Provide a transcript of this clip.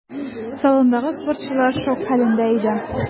Салондагы спортчылар шок хәлендә иде.